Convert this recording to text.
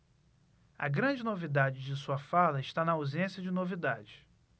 a grande novidade de sua fala está na ausência de novidades